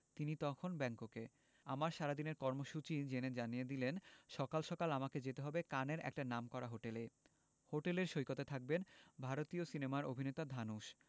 তিনি তখন ব্যাংককে আমার সারাদিনের কর্মসূচি জেনে জানিয়ে দিলেন সকাল সকাল আমাকে যেতে হবে কানের একটা নামকরা হোটেলে হোটেলের সৈকতে থাকবেন ভারতীয় সিনেমার অভিনেতা ধানুশ